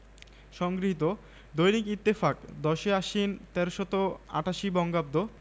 না হুজুর ভেড়া উত্তর দ্যায় ঘাস খেতে কেমন তাই আমি জানি না এখনো নেকড়ে ছাড়ে না তুই আমার কুয়ো থেকে জল খাস না না আর্তনাদ করে ওঠে ভেড়াটা